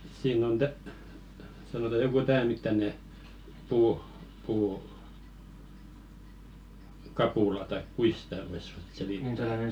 siinä on - sanotaan joku tämän mittainen puu - puukapula tai kuinkas sitä voisi ruveta -